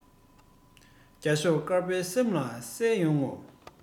རྒྱ སྨྱུག གསེར པོའི ཁ ནས ཚིག གསུམ ལུས